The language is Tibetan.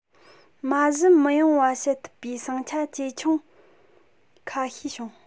མ གཞི མི ཡོང བ བྱེད ཐུབ པའི ཟིང ཆ ཆེ ཆུང ཁ ཤས བྱུང